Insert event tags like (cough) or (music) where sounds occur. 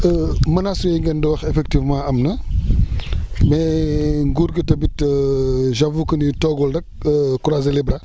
(hesitation) menaces yooyu ngeen doon wax effectivement am na (noise) mais (hesitation) nguur gi tamit (hesitation) j' avoue que ni toogul rek (hesitation) croiser les bras